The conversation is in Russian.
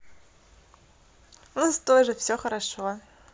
у нас тоже все хорошо